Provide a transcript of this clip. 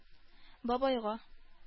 Бабайга